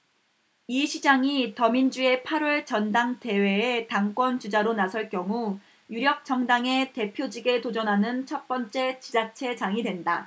이 시장이 더민주의 팔 월 전당대회에 당권 주자로 나설 경우 유력 정당의 대표직에 도전하는 첫번째 지자체장이 된다